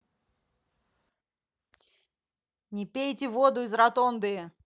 не пейте воду из ротонды